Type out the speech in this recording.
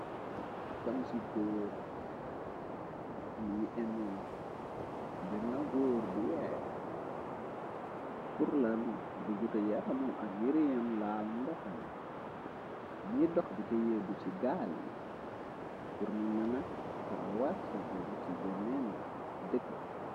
Atam ci góor ni ngi eno benna góor bu weex purlan bu guta yaramam ak yiriam laal ndox nu ñi dox dika yéebu ci gaal yi purnu mëna trawarse dem ci benneen dëkka.